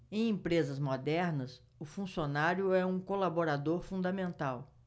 em empresas modernas o funcionário é um colaborador fundamental